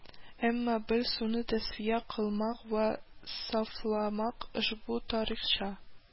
Әмма бел, суны тәсфия кыйлмак вә сафламак ошбу тарикча